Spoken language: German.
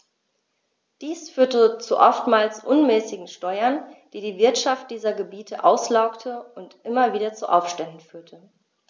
Dies führte zu oftmals unmäßigen Steuern, die die Wirtschaft dieser Gebiete auslaugte und immer wieder zu Aufständen führte.